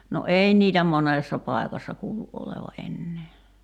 no ei niitä monessa paikassa kuulu olevan enää